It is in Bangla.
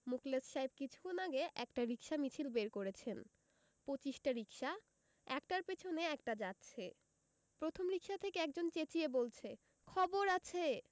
মুখলেস সাহেব কিছুক্ষণ আগে একটা রিকশা মিছিল বের করেছেন পঁচিশটা রিকশা একটার পেছনে একটা যাচ্ছে প্রথম রিকশা থেকে একজন চেঁচিয়ে বলছে খবর আছে